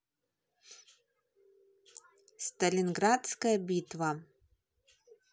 сталинградская битва